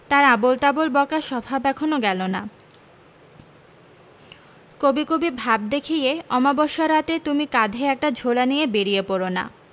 তার আবল তাবোল বকার স্বভাব এখনো গেল না কবি কবি ভাব দেখিয়ে অমাবস্যার রাতে তুমি কাঁধে একটা ঝোলা নিয়ে বেরিয়ে পড়োনা